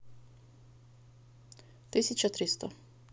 тысяча триста